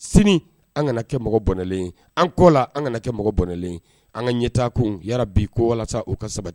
Sini an kana kɛ mɔgɔ bɔnɛlen an kɔ la an kana kɛ mɔgɔ bɔnɛlen an ka ɲɛta kun'ra bi ko walasa u ka saba